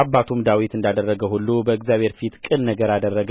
አባቱም ዳዊት እንዳደረገ ሁሉ በእግዚአብሔር ፊት ቅን ነገር አደረገ